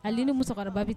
A ni muso kɔnɔ ba bɛ